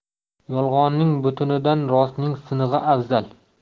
yolg'onning butunidan rostning sinig'i afzal